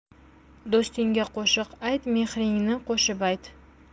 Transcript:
do'stingga qo'shiq ayt mehringni qo'shib ayt